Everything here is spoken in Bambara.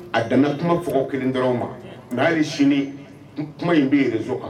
A dan na kuma fɔ ko kelen dɔrɔn ma, hali sini kuma in bɛ reseau kan